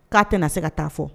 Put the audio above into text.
K'a tɛna se ka taa fɔ